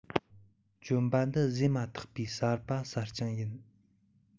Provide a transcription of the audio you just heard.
གྱོན པ འདི བཟོས མ ཐག པའི གསར པ གསར རྐྱང ཡིན